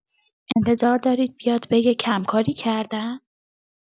انتظار دارید بیاد بگه کم‌کاری کردن؟